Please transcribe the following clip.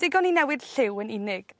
Digon i newid lliw yn unig.